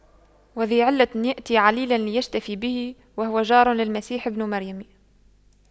وذى علة يأتي عليلا ليشتفي به وهو جار للمسيح بن مريم